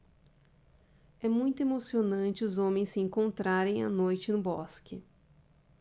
é muito emocionante os homens se encontrarem à noite no bosque